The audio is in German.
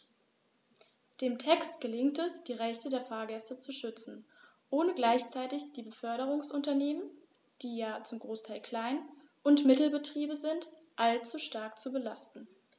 Dem Text gelingt es, die Rechte der Fahrgäste zu schützen, ohne gleichzeitig die Beförderungsunternehmen - die ja zum Großteil Klein- und Mittelbetriebe sind - allzu stark zu belasten.